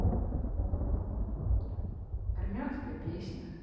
армянская музыка